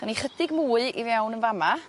'Da ni chydig mwy i fewn yn fa' 'ma